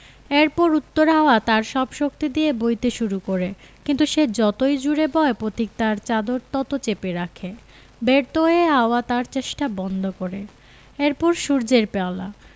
এরপর উত্তর হাওয়া তার সব শক্তি দিয়ে বইতে শুরু করে কিন্তু সে যতই জোড়ে বয় পথিক তার চাদর তত চেপে ধরে রাখে ব্যর্থ হয়ে হাওয়া তার চেষ্টা বন্ধ করে এর পর সূর্যের পালা